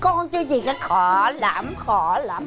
con chưa gì đã khó lắm khó lắm